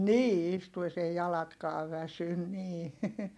niin istuessa ei jalatkaan väsy niin